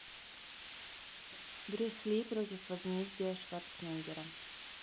брюс ли против возмездия шварценеггера